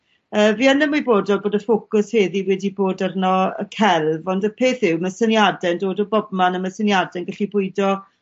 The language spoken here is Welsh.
Yy fi yn ymwybodol bod y ffocws heddi wedi bod arno y celf ond y peth yw ma' syniade'n dod o bobman a syniade'n gallu bwydo